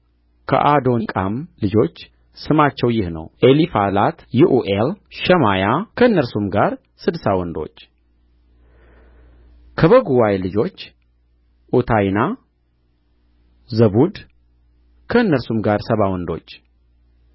ከአዶኒቃም ልጆች ስማቸው ይህ ነው ኤሊፋላት ይዑኤል ሸማያ ከእነርሱም ጋር ስድሳ ወንዶች ከበጉዋይ ልጆች ዑታይና ዘቡድ ከእነርሱም ጋር ሰባ ወንዶች